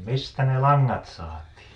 mistä ne langat saatiin